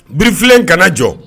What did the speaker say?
Birifilen kana jɔ